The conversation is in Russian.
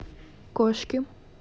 кошки